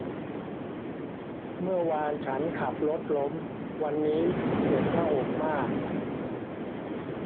เมื่อวานฉันขับรถล้มวันนี้เจ็บหน้าอกมาก